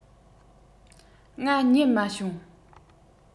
ང རྙེད མ བྱུང